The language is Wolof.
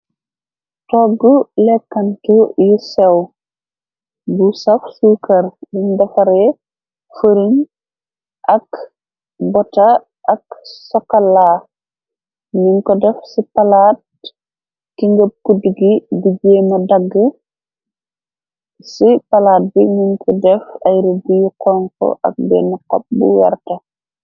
Toggu lekkantu yi sew bu saf sukar. Buñ defare furiñ ak bota ak sokala. Nyuñ ko def ci palaat ki nga kudu gi di jeema dagg. Ci palaat bi nyuñ ko def ay reddi yu xonko ak benn xop bu wert.